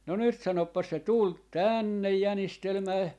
no nyt sanopas se tuli tänne jänistelemään